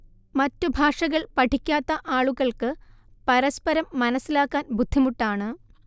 മറ്റുഭാഷകൾ പഠിക്കാത്ത ആളുകൾക്ക് പരസ്പരം മനസ്സിലാക്കാൻ ബുദ്ധിമുട്ടാണ്